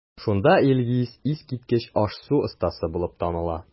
Шунда Илгиз искиткеч аш-су остасы булып таныла.